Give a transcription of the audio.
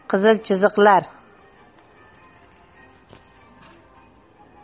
qizil chiziqlar